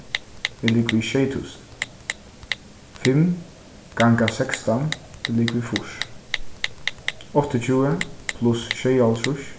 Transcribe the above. er ligvið sjey túsund fimm ganga sekstan er ligvið fýrs áttaogtjúgu pluss sjeyoghálvtrýss